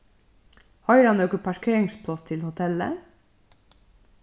hoyra nøkur parkeringspláss til hotellið